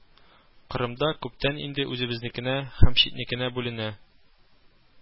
Кырымда күптән инде үзебезнекенә һәм читнекенә бүленә